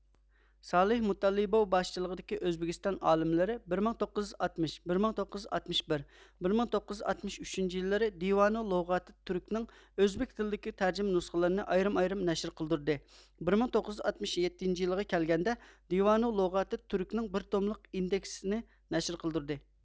سالىھ مۇتەللىبوۋ باشچىلىقىدىكى ئۆزبېكىستان ئالىملىرى بىر مىڭ توققۇز يۈز ئاتمىشىنچى بىر مىڭ توققۇز يۈز ئاتمىش بىرىنچى بىر مىڭ توققۇز يۈز ئاتمىش ئۈچىنچى يىللىرى دىۋانۇ لۇغاتىت تۈرك نىڭ ئۆزبېك تىلىدىكى تەرجىمە نۇسخىلىرىنى ئايرىم ئايرىم نەشر قىلدۇردى بىر مىڭ توققۇز يۈز ئاتمىش يەتتىنچى يىلىغا كەلگەندە دىۋانۇ لوغاتى تۈرك نىڭ بىر توملۇق ئىندېكسنى نەشر قىلدۇردى